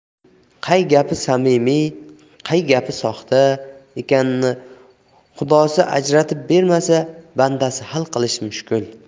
qay gapi samimiy qay gapi soxta ekanini xudosi ajratib bermasa bandasi hal qilishi mushkul